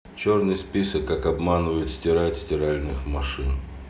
черный список как обманывают стирать стиральных машин